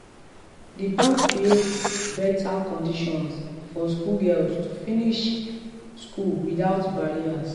This ban creates better conditions for schoolgirls to finish school without barriers.